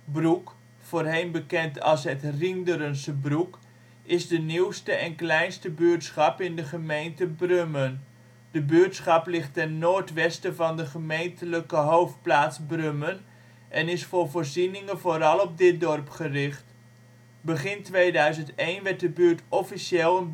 Broek, voorheen bekend als het Rhienderense Broek, is de nieuwste en kleinste buurtschap in de gemeente Brummen. De buurtschap ligt ten noordwesten van de gemeentelijke hoofdplaats Brummen, en is voor voorzieningen vooral op dit dorp gericht. Begin 2001 werd de buurt officieel